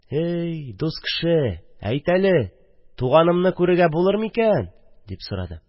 – әй, дус кеше, әйт әле, туганымны күрергә булыр микән? – дип сорады.